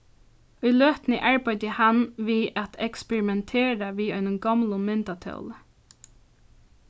í løtuni arbeiddi hann við at eksperimentera við einum gomlum myndatóli